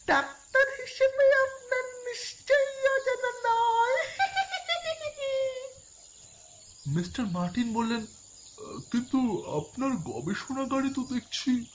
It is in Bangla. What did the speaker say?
ডাক্তার হিসেবে আপনার নিশ্চয়ই অজানা নয় হি হি হি হি হি হি হি মিস্টার মার্টিন বলেন কিন্তু আপনার গবেষণাগারে তো দেখছি